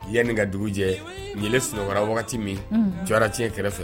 Yanni ka dugu jɛ ye ye sunkɔrɔ wagati min c tiɲɛ kɛrɛfɛ